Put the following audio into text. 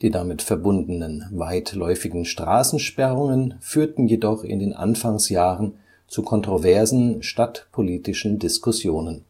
damit verbundenen weitläufigen Straßensperrungen führten jedoch in den Anfangsjahren zu kontroversen stadtpolitischen Diskussionen